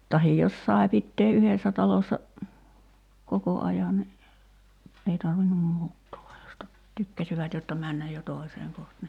tai jos sai pitää yhdessä talossa koko ajan niin ei tarvinnut muuttaa vaan jos - tykkäsivät jotta mennä jo toiseen kohta niin